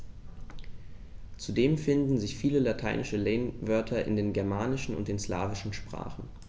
Zudem finden sich viele lateinische Lehnwörter in den germanischen und den slawischen Sprachen.